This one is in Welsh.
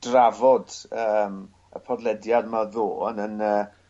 drafod yym y podlediad 'ma ddo' yn yn y